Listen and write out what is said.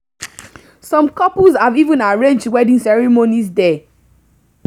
Some couples have even arranged wedding ceremonies there.